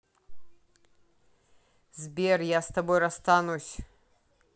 сбер я с тобой расстанусь